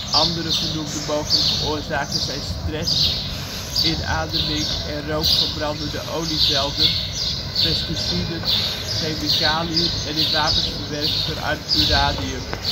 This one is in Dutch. Andere genoemde mogelijke oorzaken zijn stress, inademing van rook van brandende olievelden, pesticiden, chemicaliën en in wapens verwerkt verarmd uranium